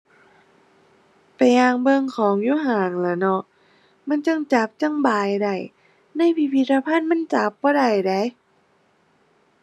ไปย่างเบิ่งของอยู่ห้างล่ะเนาะ มันจั่งจับ จั่งบายได้ ในพิพิธภัณฑ์มันจับบ่ได้เดะ